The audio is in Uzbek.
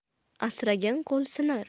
asragan qo'l sinar